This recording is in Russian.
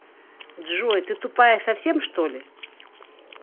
джой ты тупая совсем что ли